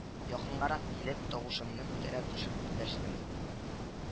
Якынгарак килеп, тавышымны күтәрә төшеп дәштем